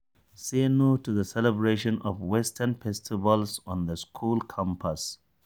3. Say no to the celebration of Western festivals on the school campus.